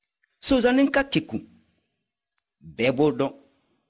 sonsannin ka kegun bɛɛ b'o dɔn